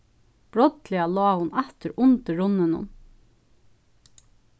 brádliga lá hon aftur undir runninum